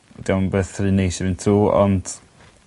'di o'm beth rhy neis i fynd trw' ond